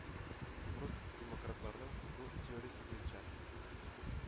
Урыс демократларының бу «теориясе» буенча,